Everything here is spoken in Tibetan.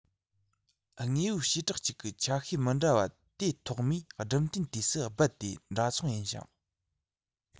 དངོས པོའི བྱེ བྲག གཅིག གི ཆ ཤས མི འདྲ བ དེ ཐོག མའི སྦྲུམ རྟེན དུས སུ རྦད དེ འདྲ མཚུངས ཡིན ཞིང